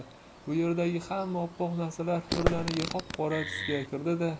bu yerdagi hamma oppoq narsalar birdaniga qop qora tusga kirdi da